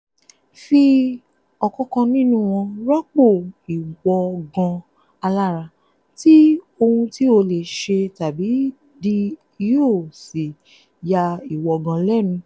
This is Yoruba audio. Fi [ọ̀kankan nínú wọn] rọ́pò ìwọ gan alára ti ohun tí o lè ṣe tàbí dì yóò sì ya ìwọ gan lẹ́nu.